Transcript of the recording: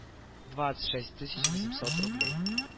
Двадцать шесть тысяч восемьсот рублей